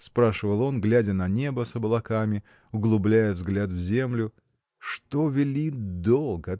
— спрашивал он, глядя на небо с облаками, углубляя взгляд в землю, — что велит долг?